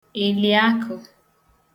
èlìakụ̄